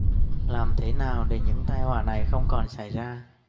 làm thế nào để những tai họa này không còn xảy ra